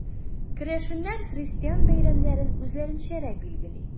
Керәшеннәр христиан бәйрәмнәрен үзләренчәрәк билгели.